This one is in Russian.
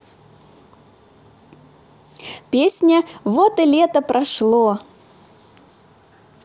песня вот и лето прошло